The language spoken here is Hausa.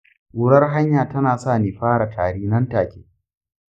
ƙurar hanya tana sa ni fara tari nan take.